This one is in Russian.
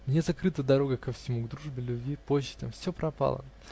мне закрыта дорога ко всему: к дружбе, любви, почестям. все пропало!!